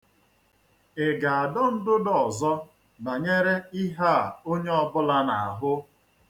Ị ga-adọ ndụdọ ọzọ banyere ihe a onye ọbụla na-ahụ?